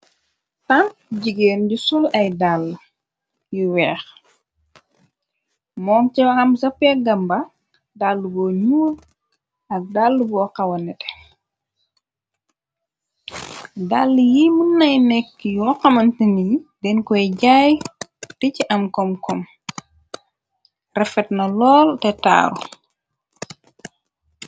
Tamp jigéen du sol ay dàll yu weex, mung ci am sapegamba dall boo nuul ak dall bu xawanete dall yi mën nay nekk. Yu xamante ni den koy jaay te ci am kom-kom refetna lool te taaru.